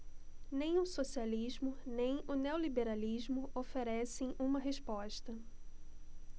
nem o socialismo nem o neoliberalismo oferecem uma resposta